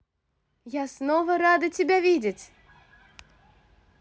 я снова рада тебя видеть